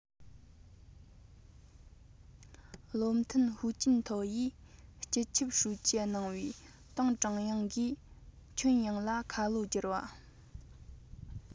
བློ མཐུན ཧུའུ ཅིན ཐའོ ཡིས སྤྱི ཁྱབ ཧྲུའུ ཅི གནང བའི ཏང ཀྲུང དབྱང གིས ཁྱོན ཡོངས ལ ཁ ལོ བསྒྱུར བ